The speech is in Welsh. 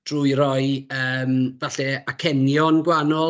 drwy roi yym falle acenion gwahanol.